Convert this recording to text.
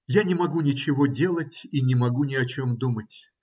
-------------- Я не могу ничего делать и не могу ни о чем думать.